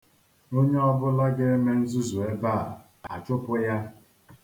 Onye ọbụla ga-eme nzuzu ebea, a chụpu ya.